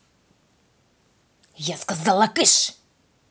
я сказала кыш